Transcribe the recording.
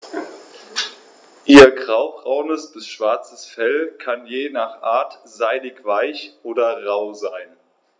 Ihr graubraunes bis schwarzes Fell kann je nach Art seidig-weich oder rau sein.